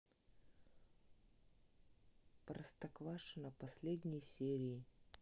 простоквашино последние серии